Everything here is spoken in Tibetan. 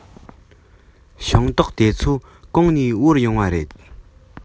ཤིང ཏོག དེ ཚོ གང ནས དབོར ཡོང བ རེད